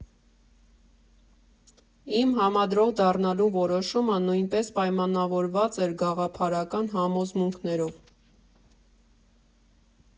Իմ՝ համադրող դառնալու որոշումը նույնպես պայմանավորված էր գաղափարական համոզմունքներով։